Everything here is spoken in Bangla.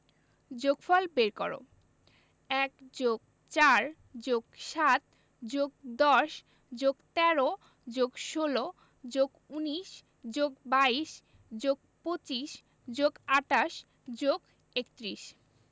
যোগফল বের করঃ ১+৪+৭+১০+১৩+১৬+১৯+২২+২৫+২৮+৩১